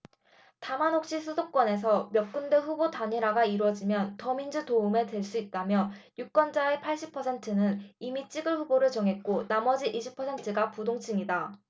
다만 혹시 수도권에서 몇 군데 후보 단일화가 이뤄지면 더민주에 도움이 될 수 있다며 유권자의 팔십 퍼센트는 이미 찍을 후보를 정했고 나머지 이십 퍼센트가 부동층이다